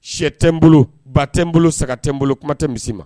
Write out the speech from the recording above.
Sɛ tɛ n bolo ba tɛ n bolo saga tɛ n bolo kuma tɛ misi ma